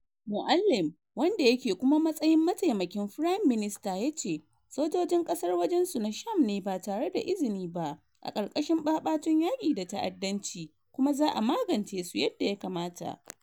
Moualem, wanda yake kuma matsayin mataimakin firayam minista, yace sojojin kasar wajen su na Sham ne ba tare da izini ba, a karkashin babatun yaki da ta’addanci, kuma “za’a magance su yadda ya kamata.”